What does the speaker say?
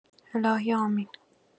الهی آمین